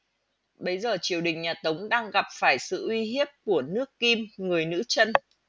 bấy giờ triều đình nhà tống đang gặp phải sự uy hiếp của nước kim người nữ chân